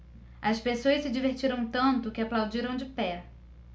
as pessoas se divertiram tanto que aplaudiram de pé